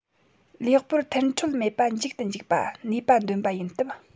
ལེགས པོར མཐུན འཕྲོད མེད པ འཇིག ཏུ འཇུག པ ནུས པ འདོན པ ཡིན སྟབས